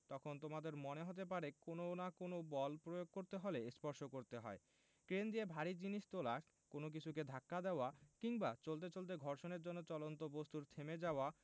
তখন তোমাদের মনে হতে পারে কোনো কোনো বল প্রয়োগ করতে হলে স্পর্শ করতে হয় ক্রেন দিয়ে ভারী জিনিস তোলা কোনো কিছুকে ধাক্কা দেওয়া কিংবা চলতে চলতে ঘর্ষণের জন্য চলন্ত বস্তুর থেমে যাওয়া